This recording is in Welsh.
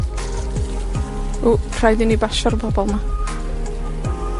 W! Rhaid i ni basio'r pobol 'ma.